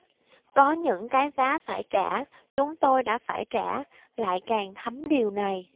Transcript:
có những cái giá phải trả chúng tôi đã phải trả lại càng thấm điều này